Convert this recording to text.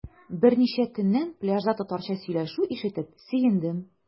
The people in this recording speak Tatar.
Берничә көннән пляжда татарча сөйләшү ишетеп сөендем.